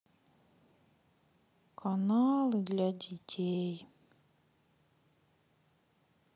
каналы для детей